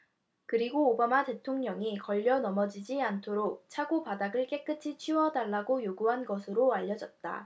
그리고 오바마 대통령이 걸려 넘어지지 않도록 차고 바닥을 깨끗이 치워달라고 요구한 것으로 알려졌다